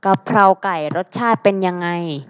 กะเพราไก่รสชาติเป็นยังไง